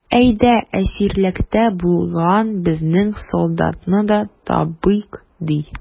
Әйдә, әсирлектә булган безнең солдатны да табыйк, ди.